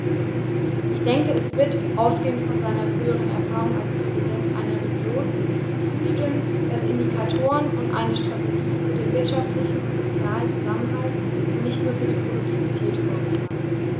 Ich denke, er wird, ausgehend von seiner früheren Erfahrung als Präsident einer Region, zustimmen, dass Indikatoren und eine Strategie für den wirtschaftlichen und sozialen Zusammenhalt und nicht nur für die Produktivität vorgeschlagen werden.